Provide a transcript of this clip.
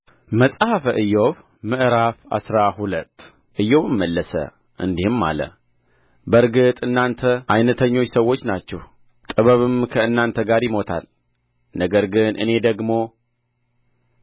መጽሐፈ ኢዮብ ምዕራፍ አስራ ሁለት ኢዮብም መለሰ እንዲህም አለ በእርግጥ እናንተ ዓይነተኞች ሰዎች ናቸሁ ጥበብም ከእናንተ ጋር ይሞታል ነገር ግን እኔ ደግሞ